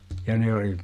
ja ne oli